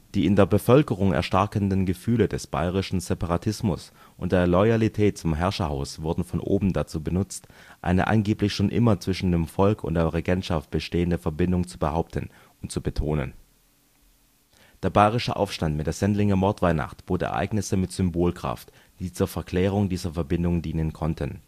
Die in der Bevölkerung erstarkenden Gefühle des bayerischen Separatismus und der Loyalität zum Herrscherhaus wurden von oben dazu genutzt, eine angeblich schon immer zwischen dem Volk und der Regentschaft bestehende Verbindung zu behaupten und zu betonen. Der bayerische Aufstand mit der Sendlinger Mordweihnacht bot Ereignisse mit Symbolkraft, die zur Verklärung dieser Verbindung dienen konnten